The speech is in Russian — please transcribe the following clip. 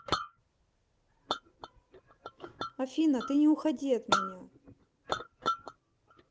афина ты не уходи от меня